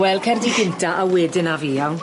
Wel cer di gynta a wedyn af fi iawn?